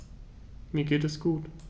Mir geht es gut.